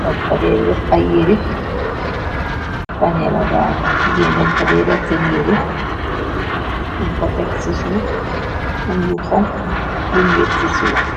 la bu def aye yare mougi am cuber jigen nji njokoy jafadiko nonko Tek ci soufe lu xonxu mungfa